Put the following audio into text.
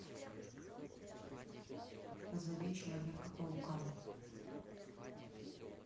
позови человека паука